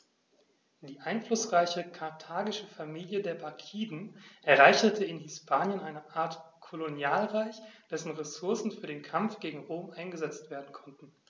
Die einflussreiche karthagische Familie der Barkiden errichtete in Hispanien eine Art Kolonialreich, dessen Ressourcen für den Kampf gegen Rom eingesetzt werden konnten.